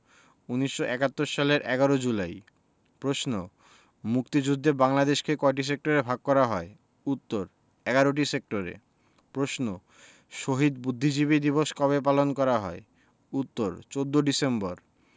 ১৯৭১ সালের ১১ জুলাই প্রশ্ন মুক্তিযুদ্ধে বাংলাদেশকে কয়টি সেক্টরে ভাগ করা হয় উত্তর ১১টি সেক্টরে প্রশ্ন শহীদ বুদ্ধিজীবী দিবস কবে পালন করা হয় উত্তর ১৪ ডিসেম্বর